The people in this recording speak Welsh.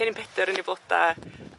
cennin Peder yn 'i floda